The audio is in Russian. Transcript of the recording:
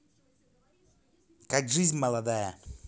как жизнь молодая